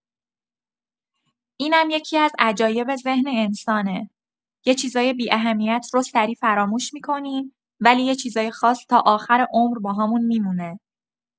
اینم یکی‌از عجایب ذهن انسانه، یه چیزای بی‌اهمیت رو سریع فراموش می‌کنیم ولی یه چیزای خاص تا آخر عمر باهامون می‌مونه.